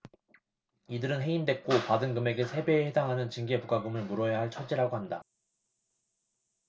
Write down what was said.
이들은 해임됐고 받은 금액의 세 배에 해당하는 징계부과금을 물어야 할 처지라고 한다